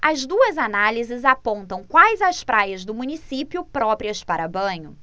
as duas análises apontam quais as praias do município próprias para banho